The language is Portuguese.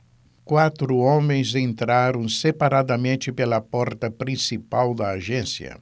quatro homens entraram separadamente pela porta principal da agência